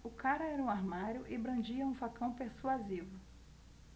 o cara era um armário e brandia um facão persuasivo